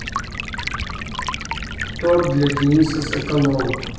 торт для дениса соколова